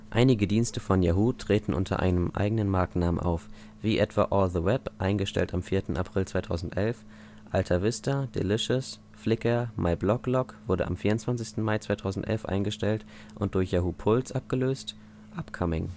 Einige Dienste von Yahoo treten unter eigenen Markennamen auf, wie etwa: Alltheweb (eingestellt am 4. April 2011) AltaVista Delicious Flickr MyBlogLog (wurde am 24. Mai 2011 eingestellt und durch Yahoo Pulse abgelöst) Upcoming